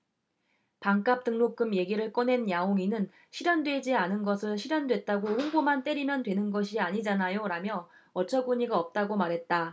반값등록금 얘기를 꺼낸 냐옹이는 실현되지 않은 것을 실현됐다고 홍보만 때리면 되는 것이 아니잖아요라며 어처구니가 없다고 말했다